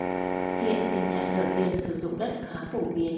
hiện tình trạng nợ tiền sử dụng đất khá phổ biến